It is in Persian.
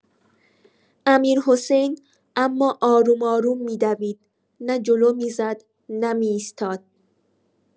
امیرحسین اما آروم آروم می‌دوید، نه جلو می‌زد، نه می‌ایستاد.